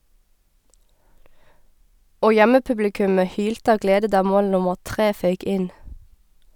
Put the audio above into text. Og hjemmepublikumet hylte av glede da mål nummer tre føyk inn.